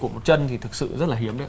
cụ trân thì thực sự rất là hiếm đấy ạ